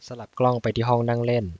สลับกล้องไปที่ห้องนั่งเล่น